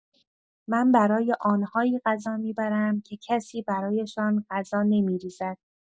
من برای آن‌هایی غذا می‌برم که کسی برایشان غذا نمی‌ریزد.